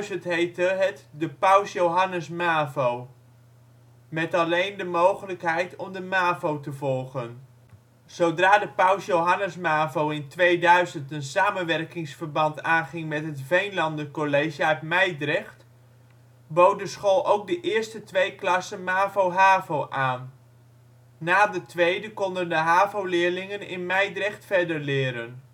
2000 heette het de Paus Johannes Mavo, met alleen de mogelijkheid om de mavo te volgen. Zodra de Paus Johannes Mavo in 2000 een samenwerkingsverband aanging met het Veenlanden College uit Mijdrecht, bood de school ook de eerste twee klassen mavo/havo aan; na de tweede konden de havo-leerlingen in Mijdrecht verder leren